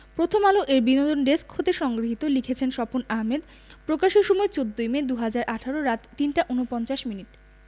প্রথমআলো এর বিনোদন ডেস্ক হতে সংগৃহীত লিখেছেনঃ স্বপন আহমেদ প্রকাশের সময় ১৪মে ২০১৮ রাত ৩টা ৪৯ মিনিট